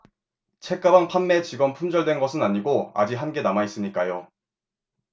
책가방 판매 직원 품절된 것은 아니고 아직 한개 남아있으니까요